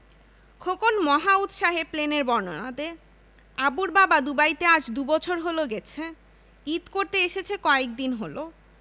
খোকন মহা উৎসাহে প্লেনের বর্ণনা দেয় আবুর বাবা দুবাইতে আজ দুবছর হলো গেছে ঈদ করতে এসেছে কয়েকদিন হলো